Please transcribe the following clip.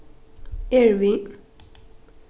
eg eri við